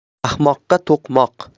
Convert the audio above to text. ahmoqqa to'qmoq